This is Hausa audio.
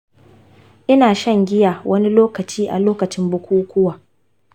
ina shan giya wani lokaci a lokacin bukukuwa.